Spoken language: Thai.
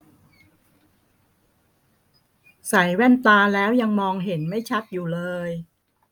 ใส่แว่นตาแล้วยังมองเห็นไม่ชัดอยู่เลย